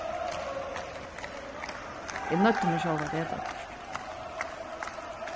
eg noyddi meg sjálva at eta okkurt